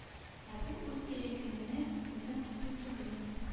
Ә бу үз ирегеңне үзең кысу түгелме